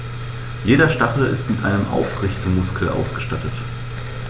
Jeder Stachel ist mit einem Aufrichtemuskel ausgestattet.